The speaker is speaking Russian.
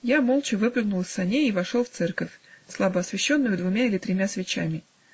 Я молча выпрыгнул из саней и вошел в церковь, слабо освещенную двумя или тремя свечами.